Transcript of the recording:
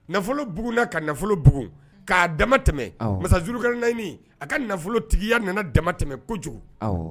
Nafolo bbugu na ka nafolobugu k ka dama tɛmɛ masauruka naaniɲini a ka nafolo tigiya nana dama tɛmɛ kojugu